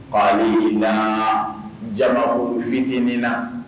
Kalina jama ko fitinin na